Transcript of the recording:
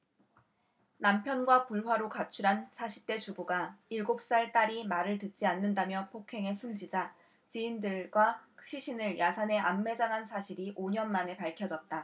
남편과 불화로 가출한 사십 대 주부가 일곱 살 딸이 말을 듣지 않는다며 폭행해 숨지자 지인들과 시신을 야산에 암매장한 사실이 오 년만에 밝혀졌다